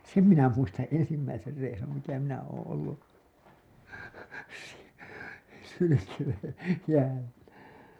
sen minä muistan ensimmäisen reissun mitä minä olen ollut - hylkeen jäällä